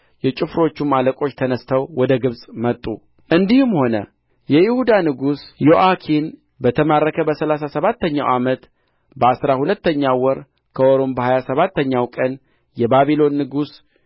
የጭፍሮቹም አለቆች ተነሥተው ወደ ግብጽ መጡ እንዲህም ሆነ የይሁዳ ንጉሥ ዮአኪን በተማከረ በሠላሳ ሰባተኛው ዓመት በአሥራ ሁለተኛው ወር ከወሩም በሀያ ሰባተኛው ቀን የባቢሎን ንጉሥ